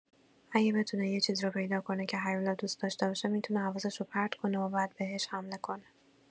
اگه بتونه یه چیزی رو پیدا کنه که هیولا دوست داشته باشه، می‌تونه حواسشو پرت کنه و بعد بهش حمله کنه.